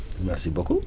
merci beaucoup